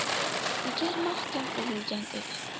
egar mahkam urilgan edi